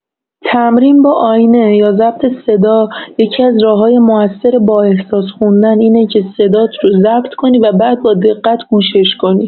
تمرین با آینه یا ضبط صدا یکی‌از راه‌های موثر بااحساس خوندن اینه که صدات رو ضبط کنی و بعد با دقت گوشش کنی.